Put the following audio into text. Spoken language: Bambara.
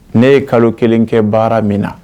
Ne ye kalo kelen kɛ baara min na